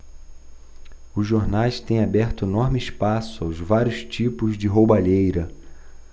os jornais têm aberto enorme espaço aos vários tipos de roubalheira